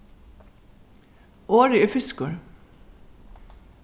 orðið er fiskur